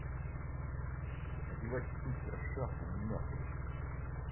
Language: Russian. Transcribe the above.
одевать быстро шапку нахуй